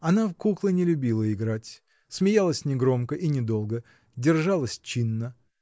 Она в куклы не любила играть, смеялась не громко и не долго, держалась чинно.